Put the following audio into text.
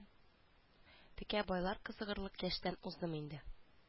Текә байлар кызыгырлык яшьтән уздым инде